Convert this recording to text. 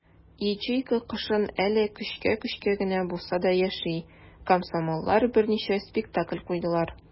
Ячейка кышын әле көчкә-көчкә генә булса да яши - комсомоллар берничә спектакль куйдылар.